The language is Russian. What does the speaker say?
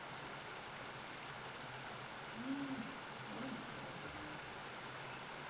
нет я не пробовала